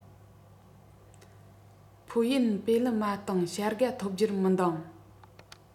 ཕུའུ ཡན པེ ལི མ ཏིང བྱ དགའ ཐོབ རྒྱུར མི འདང